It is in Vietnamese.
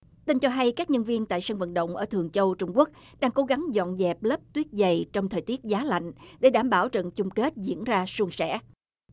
tin cho hay các nhân viên tại sân vận động ở thường châu trung quốc đang cố gắng dọn dẹp lớp tuyết dày trong thời tiết giá lạnh để đảm bảo trận chung kết diễn ra suôn sẻ